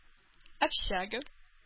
Общага